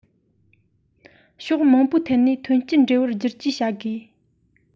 ཕྱོགས མང པོའི ཐད ནས ཐོན སྐྱེད འབྲེལ བར བསྒྱུར བཅོས བྱ དགོས